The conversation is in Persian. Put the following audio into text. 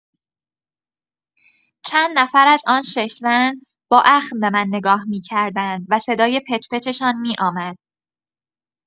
چند نفر از آن شش زن، با اخم به من نگاه می‌کردند و صدای پچ‌پچ‌شان می‌آمد.